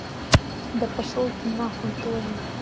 да пошел ты нахуй тоже